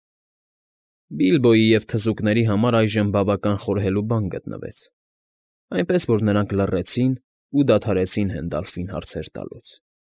Բիլբոյի և թզուկների համար այժմ բավական խորհելու բան գտնվեց, այնպես որ նրանք լռեցին ու դադարեցին Հենդալֆին հարցեր տալուց։